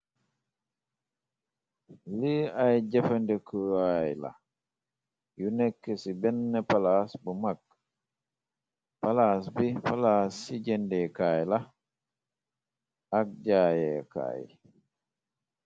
Li ay jëfandekuwaay la yu nekk ci benn palaas bu mag palaas bi palaas ci jendekaay la ak jaayekaay.